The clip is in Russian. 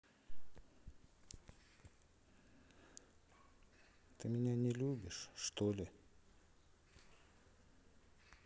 ты меня не любишь что ли